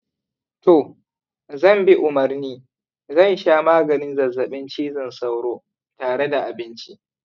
to, zan bi umarni zan sha maganin zazzabin cizon sauro tare da abinci.